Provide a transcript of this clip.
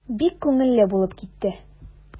Бик күңелле булып китте.